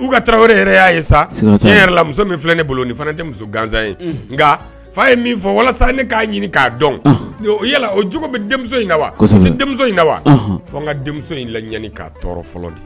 u ka tarawele wɛrɛ yɛrɛ'a ye sa tiɲɛ yɛrɛ la muso min filɛ ne bolo ni fana tɛ muso gansan ye nka fa ye min fɔ walasa ne k'a ɲini k'a dɔn yala o cogo bɛ denmuso in na wa tɛ denmuso in na wa fo n ka denmuso in la ɲani k'a tɔɔrɔ fɔlɔ de